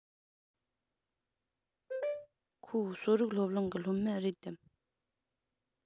ཁོ གསོ རིག སློབ གླིང གི སློབ མ རེད དམ